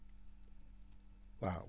waaw